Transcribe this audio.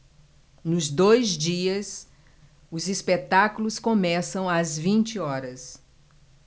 nos dois dias os espetáculos começam às vinte horas